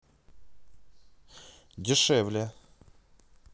дешевле